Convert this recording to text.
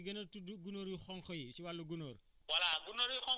parce que fii yéen a ngi gën a tudd gunóor yu xonq yi si wàllu gunóor